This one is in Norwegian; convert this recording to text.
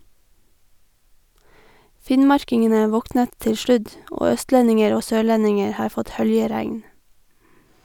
Finnmarkingene våknet til sludd, og østlendinger og sørlendinger har fått høljregn.